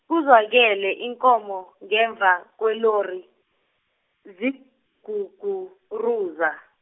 kuzwakale iinkomo ngemva kwelori, ziguguruza.